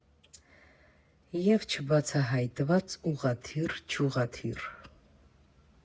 Եվ չբացահայտված ուղղաթիռ՝ Չուղղաթիռ։